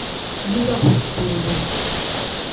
иди нахуй тупой урод